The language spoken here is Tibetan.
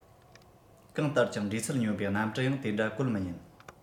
གང ལྟར ཀྱང འགྲོས ཚད སྙོམ པའི གནམ གྲུ ཡང དེ འདྲ བཀོད མི ཉན